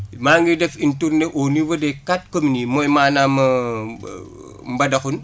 maa ngi def une tournée a niveau des qutare communes yi mooy maanaam Mbadakhoune